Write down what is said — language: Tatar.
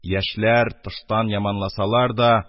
Яшьләр, тыштан яманласалар да,